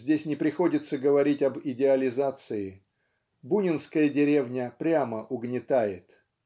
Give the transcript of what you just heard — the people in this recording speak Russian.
здесь не приходится говорить об идеализации-бунинская деревня прямо угнетает.